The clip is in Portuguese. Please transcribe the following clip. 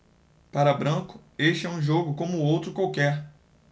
para branco este é um jogo como outro qualquer